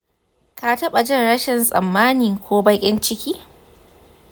ka taɓa jin rashin tsammani ko baƙin ciki?